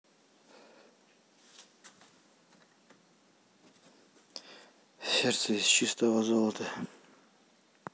сердце из чистого золота